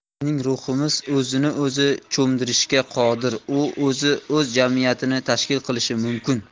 bizning ruhimiz o'zini o'zi cho'mdirishga qodir u o'zi o'z jamiyatini tashkil qilishi mumkin